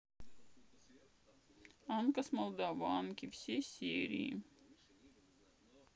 анка с молдованки все серии